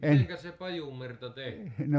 miten se pajumerta tehtiin